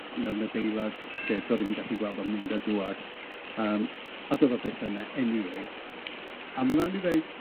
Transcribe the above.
mewn adeilad lle do'n ni'm yn gallu gweld o'n mynd a dŵad, yym a do'dd o byth yna eniwe, a ma' raid mi ddeud